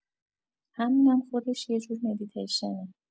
همینم خودش یه جور مدیتیشنه.